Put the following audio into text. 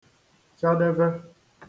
chadevē